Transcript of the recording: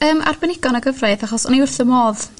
yym arbenigo'n y gyfraith achos o'n i wrth fy modd